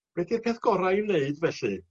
be' 'di'r peth gorau i wneud felly?